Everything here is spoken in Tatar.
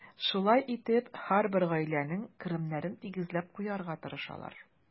Шулай итеп, һәрбер гаиләнең керемнәрен тигезләп куярга тырышалар.